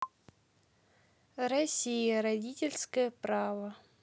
россия родительское право